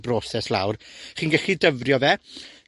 broses lawr. chi'n gellu dyfrio fe,